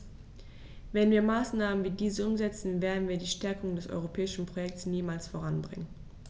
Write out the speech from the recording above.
Wenn wir Maßnahmen wie diese umsetzen, werden wir die Stärkung des europäischen Projekts niemals voranbringen.